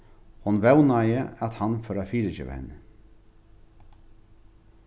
hon vónaði at hann fór at fyrigeva henni